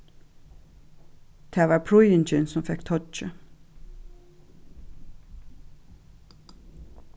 tað var prýðingin sum fekk toyggið